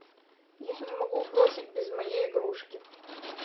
я не могу бросить без моей игрушки